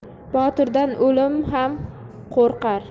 botirdan o'lim ham qo'rqar